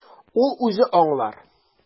Ул үзе аңлар.